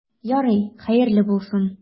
Ярый, хәерле булсын.